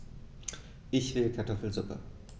Ich will Kartoffelsuppe.